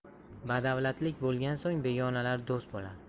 badavlatlik bo'lgan so'ng begonalar do'st bo'lar